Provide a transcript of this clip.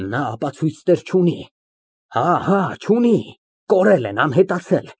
Նա ապացույցներ չունի, հա, հա, հա, չունի, կորել են, անհետացել։